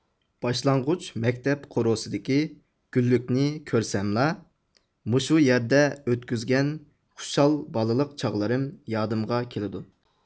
باشلانغۇچ مەكتەپ قورۇسىدىكى گۈللۈكنى كۆرسەملا مۇشۇ يەردە ئۆتكۈزگەن خۇشال بالىلىق چاغلىرىم يادىمغا كېلىدۇ